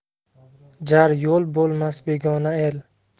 jar yo'l bo'lmas begona el